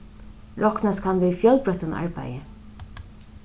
roknast kann við fjølbroyttum arbeiði